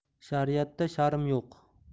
shariatda sharm yo'q